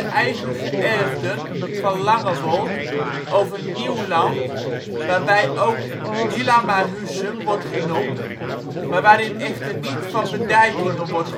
eigengeërfden van Langewold over ' nieuw land ' waarbij ook Hilamahusum wordt genoemd, maar waarin echter niet van bedijkingen wordt